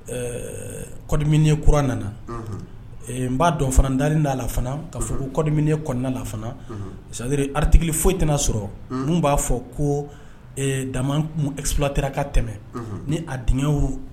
Ɛɛ kɔmin k kurauran nana n b'a dɔn fana darin daa la fana ka fɔ ko kɔmin kɔnɔna la fana saduri ati foyi tɛna sɔrɔ minnu b'a fɔ ko dama filatra ka tɛmɛ ni a d